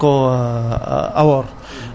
ñu naan ko awoor